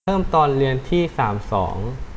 เพิ่มตอนเรียนที่สามสอง